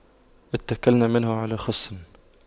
اتَّكَلْنا منه على خُصٍّ